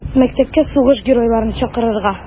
Мәктәпкә сугыш геройларын чакырырга.